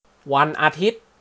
วันอาทิตย์